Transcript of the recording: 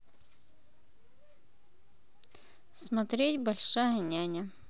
смотреть большая няня